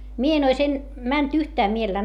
minä en olisi - mennyt yhtään mielellään